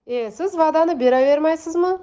e siz va'dani beravermaysizmi